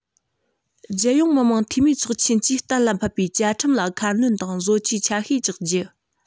རྒྱལ ཡོངས མི དམངས འཐུས མིའི ཚོགས ཆེན གྱིས གཏན ལ ཕབ པའི བཅའ ཁྲིམས ལ ཁ སྣོན དང བཟོ བཅོས ཆ ཤས རྒྱག རྒྱུ